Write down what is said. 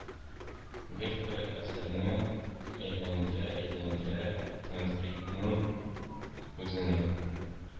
Гел бер әсәрне әйләндерә-әйләндерә тәнкыйтьнең үзенең